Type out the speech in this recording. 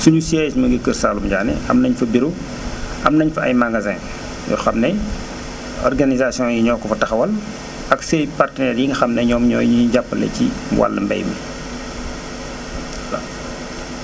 suñu siège mu ngi kër Saalum Diané am nañu fa bureau am nañ fa ay magasin yoo xam ne organisation yi ñoo ko fa taxawal ak seen i partenaires yi nga xam ne ñoom ñoo ñuy jàppale ci wàllum mbay mi waaw